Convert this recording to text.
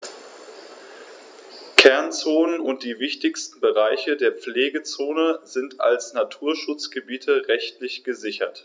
Kernzonen und die wichtigsten Bereiche der Pflegezone sind als Naturschutzgebiete rechtlich gesichert.